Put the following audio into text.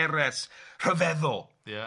Eres rhyfeddol... Ia.